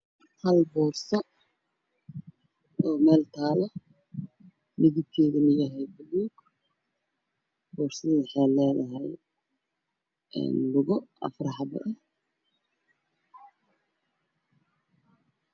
Hal boorso oo meel taalo midab keeduna yahay buluug boorsadu waxay lee dahay een lugo afar xabe ah